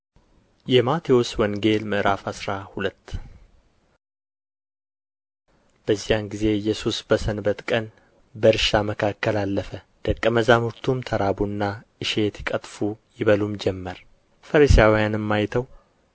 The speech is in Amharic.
﻿የማቴዎስ ወንጌል ምዕራፍ አስራ ሁለት በዚያን ጊዜ ኢየሱስ በሰንበት ቀን በእርሻ መካከል አለፈ ደቀ መዛሙርቱም ተራቡና እሸት ይቀጥፉ ይበሉም ጀመር ፈሪሳውያንም አይተው